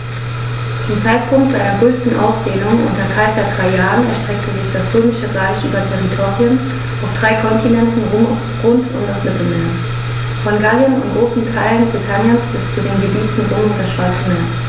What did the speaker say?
Zum Zeitpunkt seiner größten Ausdehnung unter Kaiser Trajan erstreckte sich das Römische Reich über Territorien auf drei Kontinenten rund um das Mittelmeer: Von Gallien und großen Teilen Britanniens bis zu den Gebieten rund um das Schwarze Meer.